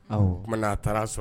Ɔ oumana a taara sɔrɔ